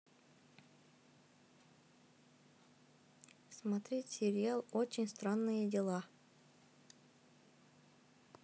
смотреть сериал очень странные дела